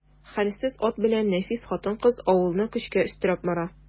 Хәлсез ат белән нәфис хатын-кыз авылны көчкә өстерәп бара.